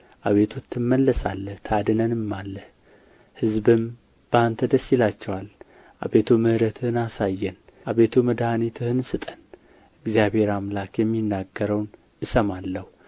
አቤቱ ትመለሳለህ ታድነንማለህ ሕዝቡም በአንተ ደስ ይላቸዋል አቤቱ ምሕረትህን አሳየን አቤቱ መድኃኒትህንም ስጠን እግዚአብሔር አምላክ የሚናገረውን እሰማለሁ